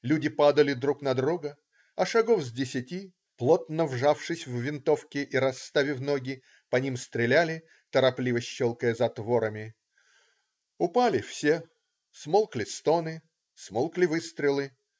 Люди падали друг на друга, а шагов с десяти, плотно вжавшись в винтовки и расставив ноги, по ним стреляли, торопливо щелкая затворами. Упали все. Смолкли стоны. Смолкли выстрелы.